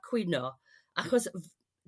cwyno achos f-